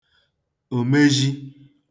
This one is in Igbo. òmezhi